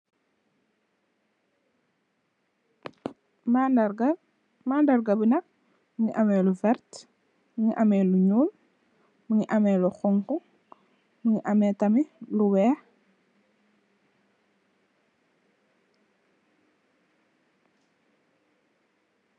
Màndarga màndarga bi nak mungi ameh lu vertt mungi ameh lu nyul mungi ameh lu xonxu mungi ameh tamit lu wekh.